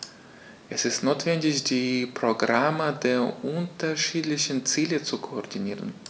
Es ist notwendig, die Programme der unterschiedlichen Ziele zu koordinieren.